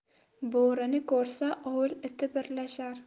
bo'rini ko'rsa ovul iti birlashar